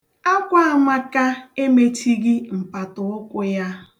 Akwa Amaka emechighi mpataụkwụ ya.